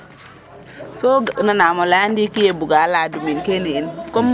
so nanam o leya ndiki ye buga ladum kene yiin comme